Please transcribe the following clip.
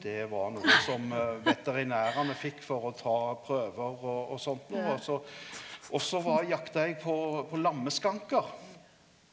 det var noko som veterinærane fekk for å ta prøver og og sånt noko, og så og så var jakta eg på på lammeskjenker.